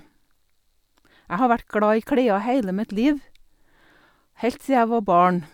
Jeg har vært glad i klær heile mitt liv, heilt sia jeg var barn.